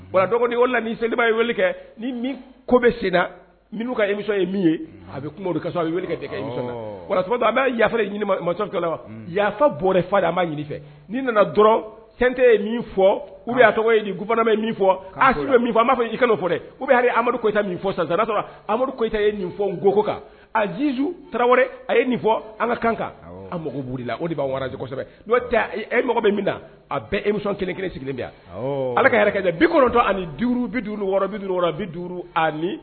Dɔgɔnin o la ni sa ye weele kɛ ni min ko bɛ senmi ye ye a bɛ bɛ yaa ɲini wa yaafa a ma ɲini nii nana dɔrɔn fɛn tɛ min fɔ tɔgɔ fana min fɔ a bɛ fɔ b ma fɔ i fɔ u bɛ amadu kota fɔ san amadu kota ye nin fɔ n gokokan az tarawele a ye nin fɔ an ka kan a mako b la o de b' wara kosɛbɛ n'o e mɔgɔ bɛ min na a bɛ emi kelen kelen sigilen yan ala ka yɛrɛ bitɔ ani duuru duuru wɔɔrɔ bi duuru